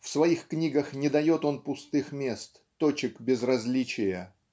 В своих книгах не дает он пустых мест, точек безразличия